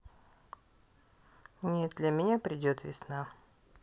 нет для меня придет весна